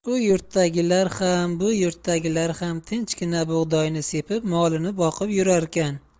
u yurtdagilar ham bu yurtdagilar ham tinchgina bug'doyni sepib molini boqib yurarkan